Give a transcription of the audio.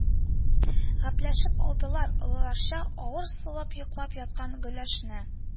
Гәпләшеп алдылар, олыларча, авыр сулап йоклап яткан гөләшне